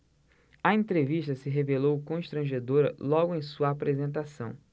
a entrevista se revelou constrangedora logo em sua apresentação